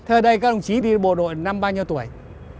thế ở đây các đồng chí đi bộ đội năm bao nhiêu tuổi